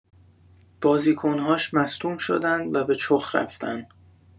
بازیکن‌هاش مصدوم شدن و به چوخ رفتن